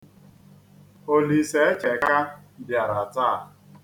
Olisaecheka bịara taa.